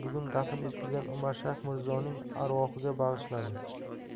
bugun dafn etilgan umarshayx mirzoning arvohiga bag'ishladi